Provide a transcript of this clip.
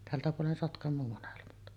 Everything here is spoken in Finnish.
tältä puolen Sotkamoa molemmat